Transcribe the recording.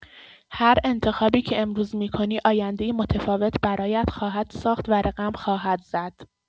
هر انتخابی که امروز می‌کنی آینده‌ای متفاوت برایت خواهد ساخت و رقم خواهد زد.